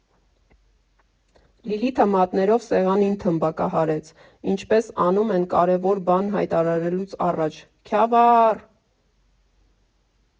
֊ Լիլիթը մատներով սեղանին թմբկահարեց՝ ինչպես անում են կարևոր բան հայտարարելուց առաջ, ֊ Քյավաաաա՜ռ։